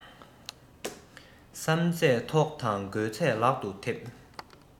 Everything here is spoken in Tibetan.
བསམ ཚད ཐོག དང དགོས ཚད ལག ཏུ ཐེབས